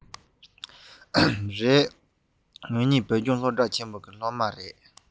རེད ང གཉིས བོད ལྗོངས སློབ གྲྭ ཆེན མོའི སློབ ཕྲུག ཡིན